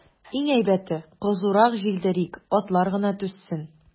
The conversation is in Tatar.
Иң әйбәте, кызурак җилдерик, атлар гына түзсен.